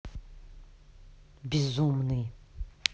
безумный